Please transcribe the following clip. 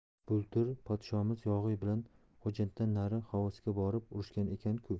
bultur podshomiz yog'iy bilan xo'janddan nari xovosga borib urushgan ekan ku